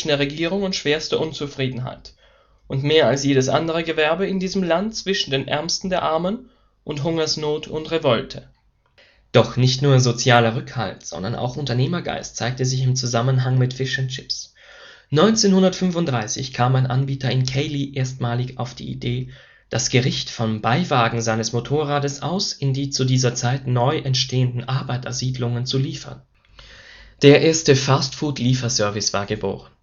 Regierung und schwerster Unzufriedenheit... und mehr als jedes andere Gewerbe in diesem Land zwischen den Ärmsten der Armen und Hungersnot und Revolte. Doch nicht nur sozialer Rückhalt, sondern auch Unternehmergeist zeigte sich im Zusammenhang mit Fish’ n’ Chips: 1935 kam ein Anbieter in Keighley erstmalig auf die Idee, das Gericht vom Beiwagen seines Motorrades aus in die zu dieser Zeit neu entstehenden Arbeitersiedlungen zu liefern – der erste Fast-Food-Lieferservice war geboren